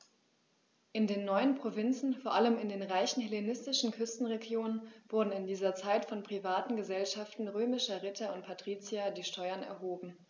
In den neuen Provinzen, vor allem in den reichen hellenistischen Küstenregionen, wurden in dieser Zeit von privaten „Gesellschaften“ römischer Ritter und Patrizier die Steuern erhoben.